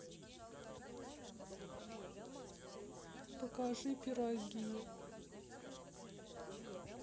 покажи пироги